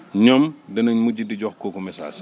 ñoom danañ mujj di jox kooku message